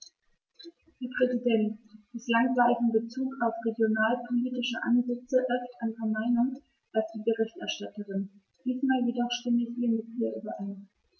Herr Präsident, bislang war ich in Bezug auf regionalpolitische Ansätze oft anderer Meinung als die Berichterstatterin, diesmal jedoch stimme ich mit ihr überein.